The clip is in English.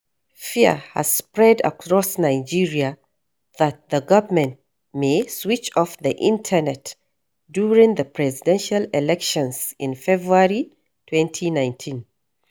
Fear has spread across Nigeria that the government may switch off the internet during the presidential elections in February 2019.